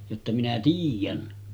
jotta minä tiedän